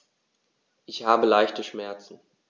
Ich habe leichte Schmerzen.